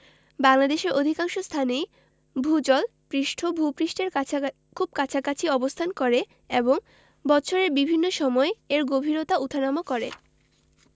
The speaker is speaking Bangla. বাংলাদেশের অধিকাংশ স্থানেই ভূ জল পৃষ্ঠ ভূ পৃষ্ঠের কাছাকাছি খুব কাছাকাছি অবস্থান করে এবং বৎসরের বিভিন্ন সময় এর গভীরতা উঠানামা করে